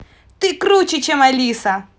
ты круче чем алиса